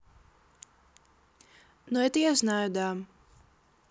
ну это я знаю да